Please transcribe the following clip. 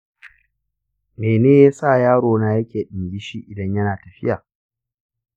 mene yasa yaro na yake ɗingishi idan yana tafiya?